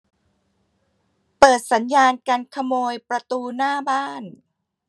เปิดสัญญาณกันขโมยประตูหน้าบ้าน